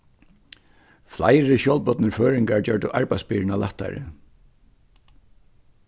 fleiri sjálvbodnir føroyingar gjørdu arbeiðsbyrðuna lættari